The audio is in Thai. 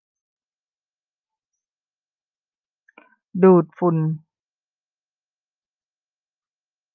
ดูดฝุ่น